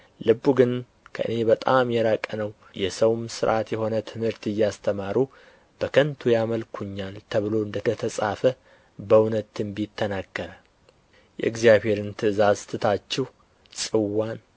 ልቡ ግን ከእኔ በጣም የራቀ ነው የሰውም ሥርዓት የሆነ ትምህርት እያስተማሩ በከንቱ ያመልኩኛል ተብሎ እንደ ተጻፈ በእውነት ትንቢት ተናገረ የእግዚአብሔርን ትእዛዝ ትታችሁ ጽዋን